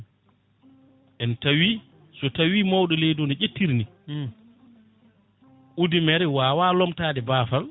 en tawi so tawi mawɗo leydi o no ƴettiri ni udimere wawa lomtade baafal